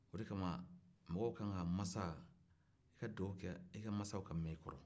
o de kama mɔgɔ ka kan ka maasa i ka duwawu kɛ i ka maasa ka mɛn i kɔrɔ